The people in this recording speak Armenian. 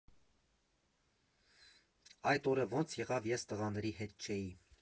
Այդ օրը ոնց եղավ, ես տղաների հետ չէի։